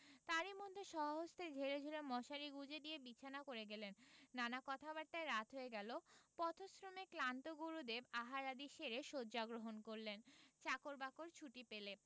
তারই মধ্যে স্বহস্তে ঝেড়েঝুড়ে মশারি গুঁজে দিয়ে বিছানা করে গেলেন নানা কথাবার্তায় রাত হয়ে গেল পথশ্রমে ক্লান্ত গুরুদেব আহারাদি সেরে শয্যা গ্রহণ করলেন চাকর বাকর ছুটি পেলে